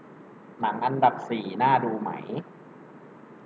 หนังอันดับสี่น่าดูไหม